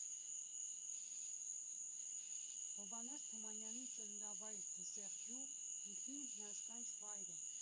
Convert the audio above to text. Հովհաննես Թումանյանի ծննդավայր Դսեղ գյուղն ինքնին հիասքանչ վայր է։